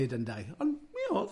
Ond, mi oedd.